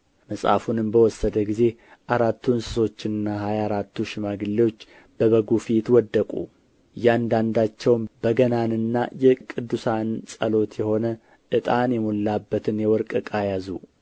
መጽሐፉንም በወሰደ ጊዜ አራቱ እንስሶችና ሀያ አራቱ ሽማግሌዎች በበጉ ፊት ወደቁ እያንዳንዳቸውም በገናንና የቅዱሳን ጸሎት የሆነ ዕጣን የሞላበትን የወርቅ ዕቃ ያዙ